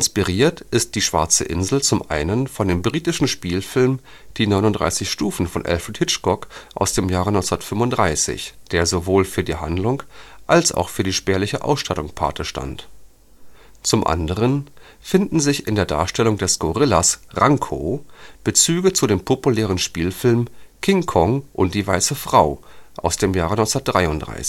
Inspiriert ist die „ Die Schwarze Insel “zum Einen von dem britischen Spielfilm Die 39 Stufen von Alfred Hitchcock aus dem Jahre 1935, der sowohl für die Handlung als auch auf die spärliche Ausstattung Pate stand. Zum Anderen finden sich in der Darstellung des Gorillas „ Ranko “Bezüge zu dem populären Spielfilm King Kong und die weiße Frau aus dem Jahre 1933